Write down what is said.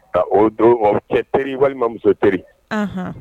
Ka o do cɛ teri walima muso teri anhan